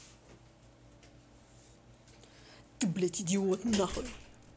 ты блядь идиот нахуй